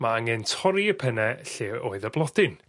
ma' angen torri y penne lle oedd y blodyn